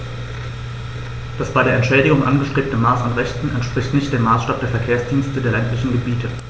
Das bei der Entschädigung angestrebte Maß an Rechten entspricht nicht dem Maßstab der Verkehrsdienste der ländlichen Gebiete.